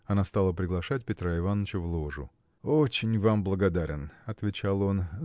Она стала приглашать Петра Иваныча в ложу. – Очень вам благодарен – отвечал он